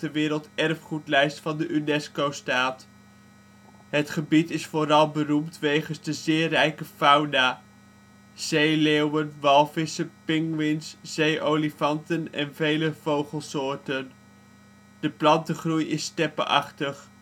Werelderfgoedlijst van de UNESCO staat. Het gebied is vooral beroemd wegens de zeer rijke fauna; zeeleeuwen, walvissen, pinguïns, zeeolifanten en vele vogelsoorten. De plantengroei is steppeachtig. Het klimaat